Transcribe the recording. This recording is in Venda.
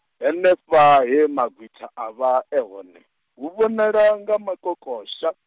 henefha he magwitha avha e hone, hu vhonala nga makokosha.